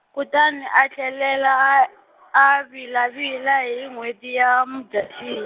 kutani a tlhelela a , eVila-Vila hi n'hweti ya Mudyaxihi.